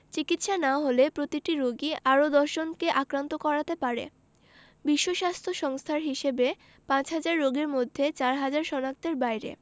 চিকিৎসা না হলে প্রতিটি রোগী আরও ১০ জনকে আক্রান্ত করাতে পারে বিশ্ব স্বাস্থ্য সংস্থার হিসেবে পাঁচহাজার রোগীর মধ্যে চারহাজার শনাক্তের বাইরে